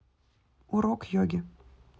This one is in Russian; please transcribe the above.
урок йоги